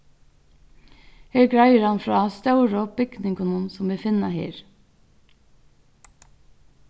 her greiðir hann frá stóru bygningunum sum vit finna her